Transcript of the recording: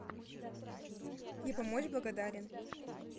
я помочь благодарен